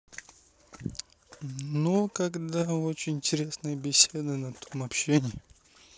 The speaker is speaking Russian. ну когда очень интересная беседа на том общении